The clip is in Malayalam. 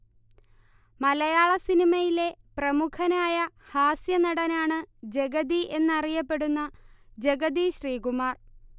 മലയാള സിനിമയിലെ പ്രമുഖനായ ഹാസ്യനടനാണ് ജഗതി എന്നറിയപ്പെടുന്ന ജഗതി ശ്രീകുമാർ